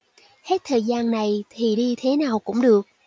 hết thời gian này thì đi thế nào cũng được